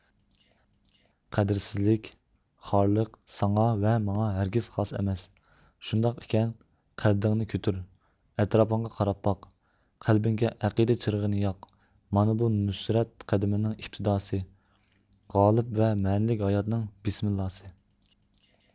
قەدىرسىزلىك خارلىق ساڭا ۋە ماڭا ھەرگىز خاس ئەمەس شۇنداق ئىكەن قەددىڭنى كۆتۈر ئەتراپىڭغا قاراپ باق قەلبىڭگە ئەقىدە چىرىغىنى ياق مانا بۇ نۇسرەت قەدىمىنىڭ ئىپتىداسى غالىپ ۋە مەنىلىك ھاياتنىڭ بىسمىللاسى